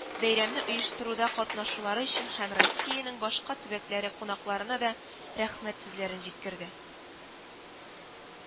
Бәйрәмне оештыруда катнашулары өчен һәм россиянең башка төбәкләре кунакларына да рәхмәт сүзләрен җиткерде